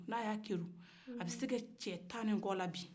a bɛ se ka cɛ tan ni kɔ la bin